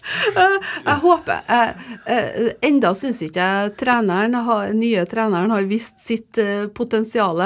jeg håper jeg enda syns ikke jeg treneren har den nye treneren har vist sitt potensiale.